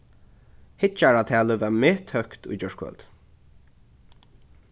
hyggjaratalið var methøgt í gjárkvøldið